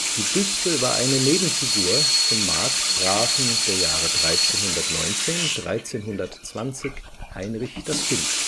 Die Büste war eine Nebenfigur zum Markgrafen der Jahre 1319/1320 Heinrich das Kind